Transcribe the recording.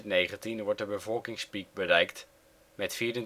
2019 wordt de bevolkingspiek bereikt met